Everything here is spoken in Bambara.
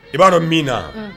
I b'a dɔn min na